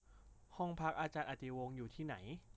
ห้องพักอาจารย์อติวงศ์อยู่ที่ไหน